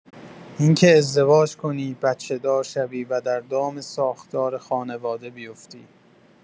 این که ازدواج کنی، بچه‌دار بشوی، و در دام ساختار خانواده بیفتی.